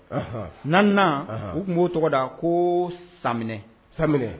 Na u tun b'o tɔgɔ da ko sa